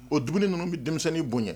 O dumuni ninnu bɛ denmisɛnnin bonya ye